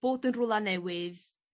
bod yn rwla newydd